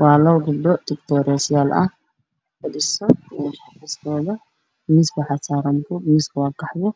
Waa labo gabdhod drs ah miska waxa saran qaxwo gabdha